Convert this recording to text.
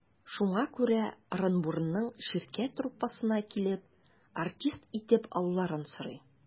Шуңа күрә Ырынбурның «Ширкәт» труппасына килеп, артист итеп алуларын сорый.